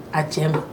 A cɛ ma